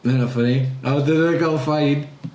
Mae hynna'n ffyni. Am bod o newydd gael fine.